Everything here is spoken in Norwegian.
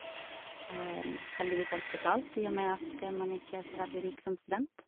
Heldigvis alt betalt, i og med at man ikke er så veldig rik som student.